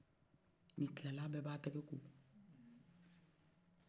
n'i kilala a bɛ b'a tigɛ ko